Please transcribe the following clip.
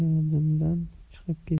bora bora yodimdan chiqib ketdi